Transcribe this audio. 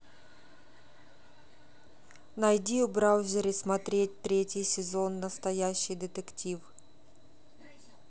найди в браузере смотреть третий сезон настоящий детектив